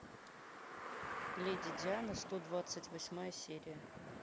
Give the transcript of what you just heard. леди диана сто двадцать восьмая серия